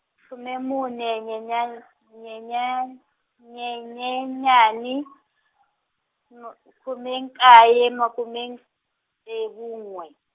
khume mune nyenya- nyenyan- Nyenyenyani, nu- khume nkaye makume ntsevu n'we.